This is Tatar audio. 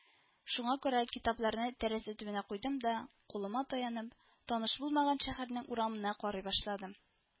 Шуңа күрә китапларны тәрәзә төбенә куйдым да, кулыма таянып, таныш булмаган шәһәрнең урамына карый башладым